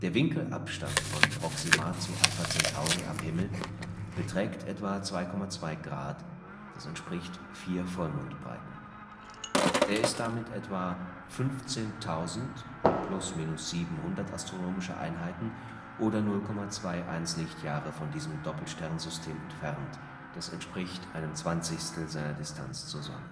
Winkelabstand von Proxima zu Alpha Centauri am Himmel beträgt etwa 2,2 Grad (vier Vollmondbreiten). Er ist damit etwa 15.000 ± 700 AE oder 0,21 Lj von diesem Doppelsternsystem entfernt (1/20 seiner Distanz zur Sonne